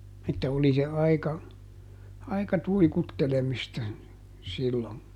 että oli se aika aika tuikuttelemista silloin